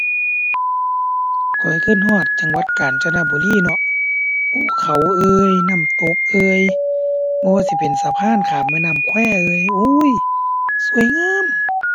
ข้อยคิดฮอดจังหวัดกาญจนบุรีเนาะ ภูเขาเอย น้ำตกเอย บ่ว่าสิเป็นสะพานข้ามแม่น้ำแควเอย อู๊ย สวยงาม